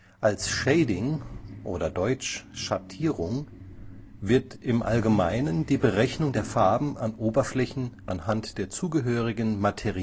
Als Shading („ Schattierung “) wird im Allgemeinen die Berechnung der Farben an Oberflächen anhand der zugehörigen Materialeigenschaften